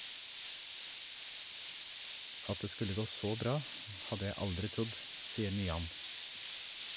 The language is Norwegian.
At det skulle gå så bra, hadde jeg aldri trodd, sier Nyan.